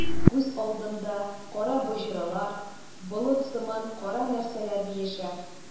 Күз алдымда кара боҗралар, болыт сыман кара нәрсәләр биешә.